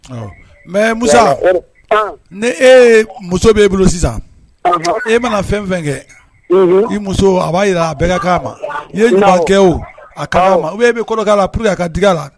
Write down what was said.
Mais Musa, un ni e ye muso b'e bolo sisan, e mana fɛn fɛn kɛ, unhun, i muso a b'a jira a bɛɛ ka kan a ma, i ye ɲaman kɛ wo, a ka kan a ma ou bien e bɛ kol dɔ k'a la pour que a kan digi a la